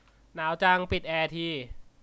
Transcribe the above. หนาวจังปิดแอร์ให้ที